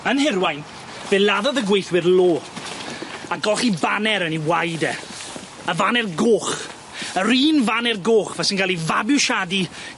Yn Hirwaun fe laddodd y gweithwyr lô a golchi baner yn 'i waed e. Y faner goch yr un faner goch fe' sy'n ga'l 'i fabwshadu